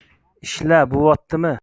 ishla bo'vottimi